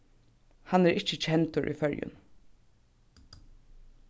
hann er ikki kendur í føroyum